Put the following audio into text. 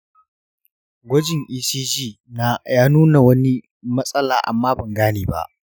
gwajin ecg na ya nuna wani matsala amma ban gane ba.